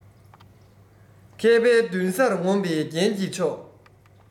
མཁས པའི མདུན སར ངོམས པའི རྒྱན གྱི མཆོག